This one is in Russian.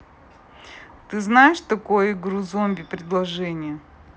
ты знаешь такое игру zombie предрождения